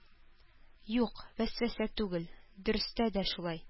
Юк, вәсвәсә түгел, дөрестә дә шулай.